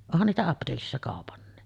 onhan niitä apteekissa kaupankin